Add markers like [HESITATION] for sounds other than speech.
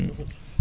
[HESITATION] [HESITATION]